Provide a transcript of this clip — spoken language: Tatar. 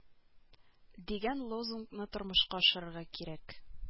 Дигән лозунгны тормышка ашырырга кирәк